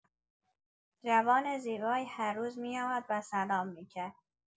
جوان زیبایی هر روز می‌آمد و سلام می‌کرد.